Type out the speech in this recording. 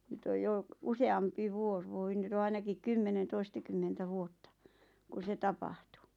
nyt on jo useampi vuosi voi nyt on ainakin kymmenen toistakymmentä vuotta kun se tapahtui